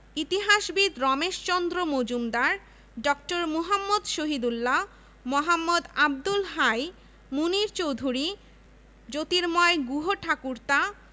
এবং মহান মুক্তিযুদ্ধে জীবন দিয়েছেন এ বিশ্ববিদ্যালয়ের অনেক ছাত্র শিক্ষক ও কর্মকর্তা কর্মচারী